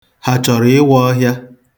Ha achọrọ ịwa ọhịa?